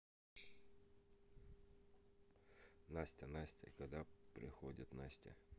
настя настя когда приходит настя